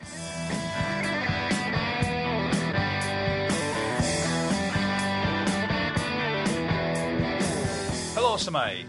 Helo Su' mae?